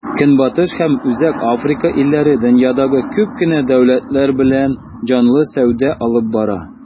Көнбатыш һәм Үзәк Африка илләре дөньядагы күп кенә дәүләтләр белән җанлы сәүдә алып бара.